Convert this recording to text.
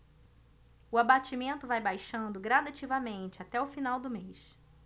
o abatimento vai baixando gradativamente até o final do mês